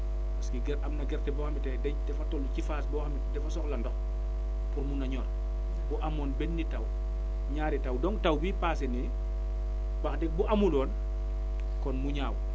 parce que ger am na gerte boo xamante ne day dafa toll ci phase boo xam ne dafa soxla ndox pour mun a ñor bu amoon benn taw ñaari taw donc taw bii passé nii wax dëgg bu amul woon kon mu ñaaw